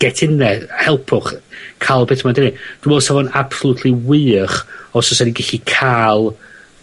Get in there, helpwch ca'l beth ma' nw 'di neu'. Dwi me'wl 'sa fo'n absolutely wych os o's 'yn gellu ca'l